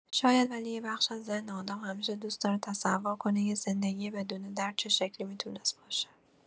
شاید، ولی یه بخش از ذهن آدم همیشه دوست داره تصور کنه یه زندگی بدون درد چه شکلی می‌تونست باشه.